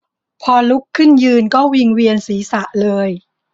พอลุกขึ้นยืนก็วิงเวียนศีรษะเลย